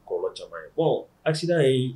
Kɔ caman ye bɔn a ye